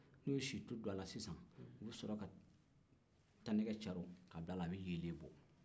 n'o ye situlu don a la sisan u bɛ sɔrɔ ka tanɛgɛ caro ka bil'a la a bɛ yeelen bɔ